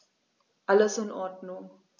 Alles in Ordnung.